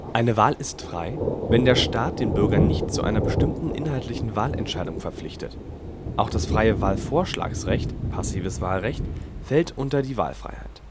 Eine Wahl ist frei, wenn der Staat den Bürger nicht zu einer bestimmten inhaltlichen Wahlentscheidung verpflichtet; auch das freie Wahlvorschlagsrecht (passives Wahlrecht) fällt unter die Wahlfreiheit